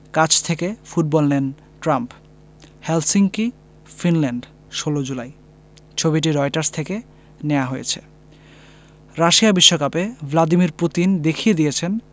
কাছ থেকে ফুটবল নেন ট্রাম্প হেলসিঙ্কি ফিনল্যান্ড ১৬ জুলাই ছবিটি রয়টার্স থেকে নেয়া হয়েছে রাশিয়া বিশ্বকাপে ভ্লাদিমির পুতিন দেখিয়ে দিয়েছেন